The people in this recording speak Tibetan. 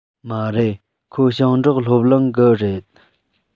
མ རེད ཁོ ཞིང འབྲོག སློབ གླིང གི རེད